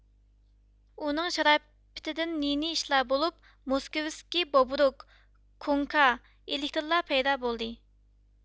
ئۇنىڭ شاراپىتىدىن نى نى ئىشلار بولۇپ موسكىۋىسكى بوبرۇك كوڭكا ئېلېكتىرلار پەيدا بولدى